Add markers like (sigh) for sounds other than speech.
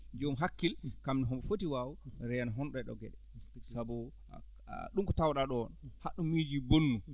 jom hakkil kam omo foti waaw reeno ho no ɗee ɗoo geɗe sabu (hesitation) ɗum ko tawɗaa ɗoo haɗum miiji bonnu